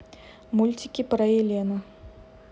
мультики про елену